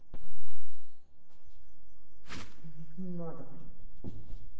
мне это не надо блин